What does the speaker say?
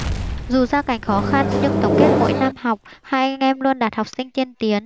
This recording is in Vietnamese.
dù gia cảnh khó khăn nhưng tổng kết mỗi năm học hai anh em luôn đạt học sinh tiên tiến